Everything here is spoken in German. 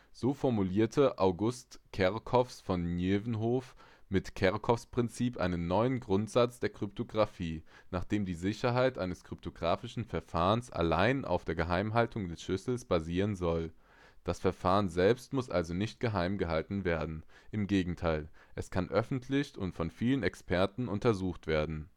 So formulierte Auguste Kerckhoffs von Nieuwenhof mit Kerckhoffs’ Prinzip einen Grundsatz der Kryptographie, nachdem die Sicherheit eines kryptographischen Verfahrens allein auf der Geheimhaltung des Schlüssels basieren soll – das Verfahren selbst muss also nicht geheim gehalten werden; im Gegenteil: es kann veröffentlicht und von vielen Experten untersucht werden